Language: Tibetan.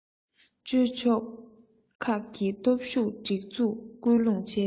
སྤྱོད ཆོག ཕྱོགས ཁག གི སྟོབས ཤུགས སྒྲིག འཛུགས སྐུལ སློང བྱས ཏེ